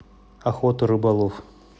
охота рыболов